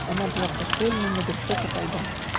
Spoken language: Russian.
она была прострелена на вершок ото лба.